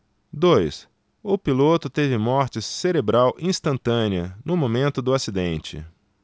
dois o piloto teve morte cerebral instantânea no momento do acidente